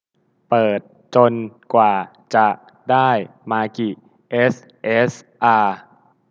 เปิดจนกว่าจะได้มากิเอสเอสอา